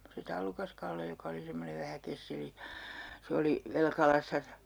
se Tallukas-Kalle joka oli semmoinen vähän kesseli se oli Velkalassa